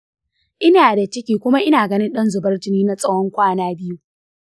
ina da ciki kuma ina ganin ɗan zubar jini na tsawon kwana biyu.